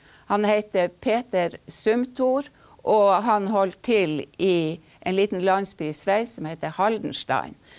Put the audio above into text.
han heter Peter Zumthor og han holder til i en liten landsby i Sveits som heter Haldenstein.